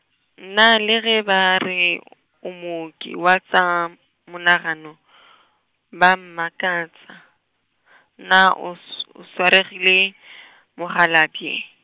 nna le ge ba re, o mooki wa tša , monagano , ba a mmakatša , na o s-, o swaregile , mokgalabje?